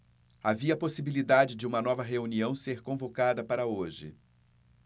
havia possibilidade de uma nova reunião ser convocada para hoje